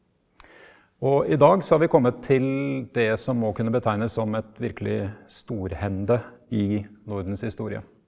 og i dag så har vi kommet til det som må kunne betegnes som et virkelig storhending i Nordens historie.